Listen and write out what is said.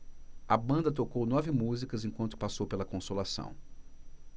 a banda tocou nove músicas enquanto passou pela consolação